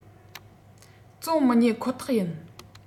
བཙོང མི ཉན ཁོ ཐག ཡིན